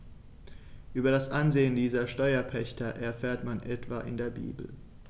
Über das Ansehen dieser Steuerpächter erfährt man etwa in der Bibel.